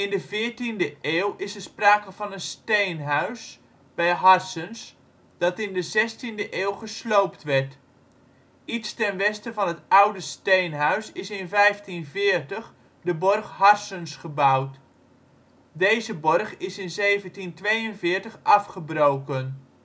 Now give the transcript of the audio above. de veertiende eeuw is er sprake van een steenhuis bij Harssens dat in de zestiende eeuw gesloopt werd. Iets ten westen van het oude steenhuis is in 1540 de borg Harssens gebouwd (53° 16′ NB, 6° 32′ OL). Deze borg is in 1742 afgebroken